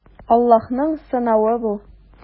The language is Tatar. Аллаһның сынавы бу.